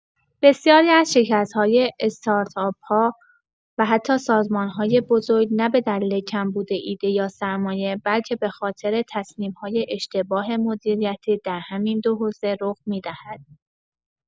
بسیاری از شکست‌های استارتاپ‌ها و حتی سازمان‌های بزرگ، نه به دلیل کمبود ایده یا سرمایه، بلکه به‌خاطر تصمیم‌های اشتباه مدیریتی در همین دو حوزه رخ می‌دهد.